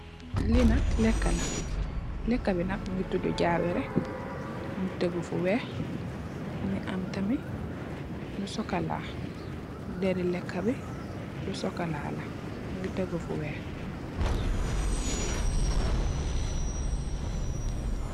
Li nak lekka la, lekka bi nak mugii tuddu jabereh mugii tégu fu wèèx mu am tamit lu sokola dèré lekka la lu sokola la mugii tégu fu wèèx.